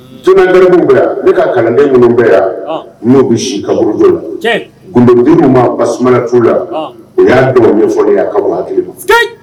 Dunankɛ minnu bila ne ka kalanden kɔnɔ bɛɛ yan n'o bɛ si kauru jɔ gbdi ma bas tu la o y'a dɔgɔ ɲɛfɔ ka waati ma